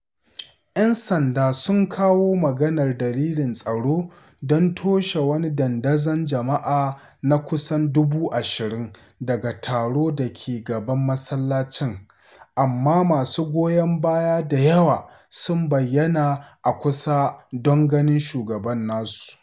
‘Yan sanda sun kawo maganar dalilan tsaro don toshe wani dandazon jama’a na kusan 25,000 daga taro da ke gaban masallacin, amma masu goyon baya da yawa sun bayyana a kusa don ganin shugaban nasu.